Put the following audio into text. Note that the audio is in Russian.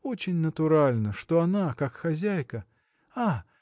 очень натурально, что она, как хозяйка. А!